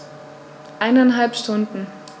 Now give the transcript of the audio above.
Eineinhalb Stunden